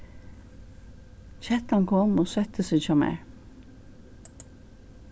kettan kom og setti seg hjá mær